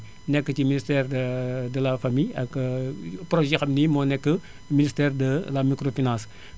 nekk ci ministère de de la famille ak projet yoo xam ne nii moo nekk mibnistère de de l la microfinance